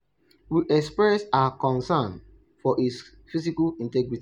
We express our concern for his physical integrity.